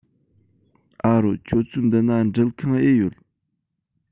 ཨ རོ ཁྱོད ཚོའི འདི ན འགྲུལ ཁང ཨེ ཡོད